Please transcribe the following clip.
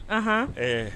Anhan, ɛɛ